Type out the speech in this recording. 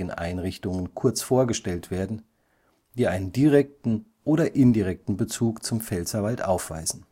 Einrichtungen kurz vorgestellt werden, die einen direkten oder indirekten Bezug zum Pfälzerwald aufweisen